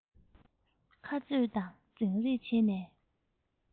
ཁ རྩོད དང འཛིང རེས བྱེད ནས